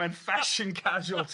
Mae'n fashion casualty.